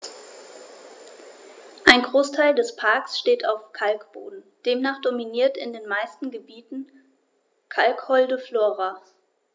Ein Großteil des Parks steht auf Kalkboden, demnach dominiert in den meisten Gebieten kalkholde Flora.